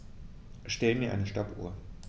Stell mir eine Stoppuhr.